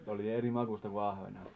oli eri makuista kuin ahven on